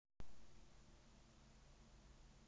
музыка потап геннадий каменских настя